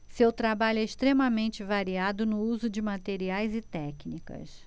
seu trabalho é extremamente variado no uso de materiais e técnicas